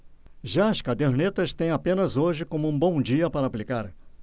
já as cadernetas têm apenas hoje como um bom dia para aplicar